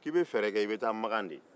k'i bɛ fɛɛrɛ kɛ i be taa maka de